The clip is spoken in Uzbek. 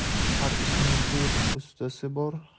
har ishning bir ustasi bor